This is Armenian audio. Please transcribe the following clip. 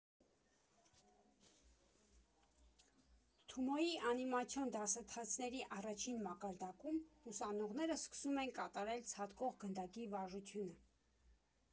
Թումոյի անիմացիոն դասընթացների առաջին մակարդակում ուսանողները սկսում են կատարել ցատկող գնդակի վարժությունը։